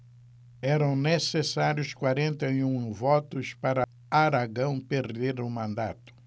eram necessários quarenta e um votos para aragão perder o mandato